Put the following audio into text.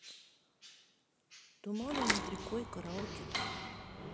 туманы над рекой караоке